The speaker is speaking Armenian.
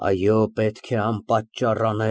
Այո։ ԲԱԳՐԱՏ ֊ Ի՞նչ է ասում նա այդ փաստաթղթերի դեմ։